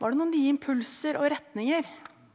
var det noen nye impulser og retninger?